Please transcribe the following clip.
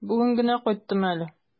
Бүген генә кайттым әле.